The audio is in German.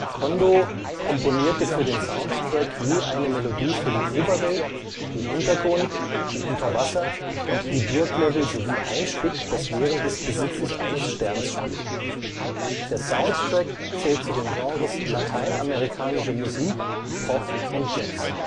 Kondō komponierte für den Soundtrack je eine Melodie für die Oberwelt -, die Untergrund -, die Unterwasser - und die Burglevel sowie ein Stück, das während des Besitzes eines Sterns spielt. Der Soundtrack zählt zu den Genres lateinamerikanische Musik, Pop und Jazz